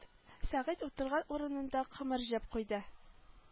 Сәгыйть утырган урынында кымырҗып куйды